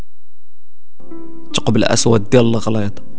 ثقب الاسود يلا